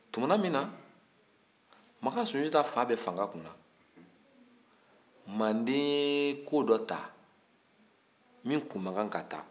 tumana min na makan sujata fa bɛ fanga kunna manden ye ko dɔ ta min tun makan ka ta